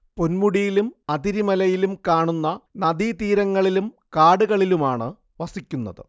പൊന്മുടിയിലും അതിരിമലയിലും കാണുന്ന നദീതീരങ്ങളിലും കാടുകളിലുമാണ് വസിക്കുനത്